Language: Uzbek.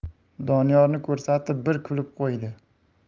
doniyorni ko'rsatib bir kulib qo'ydi